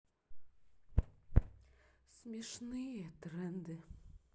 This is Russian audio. смешные тренды